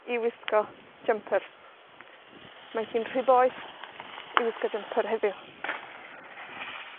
i wisgo jympyr. Mae hi'n rhy boeth i wisgo jympyr heddiw.